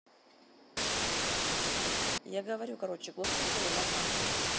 я говорю короче глухой что ли макар